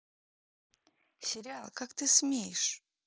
сериал как ты смеешь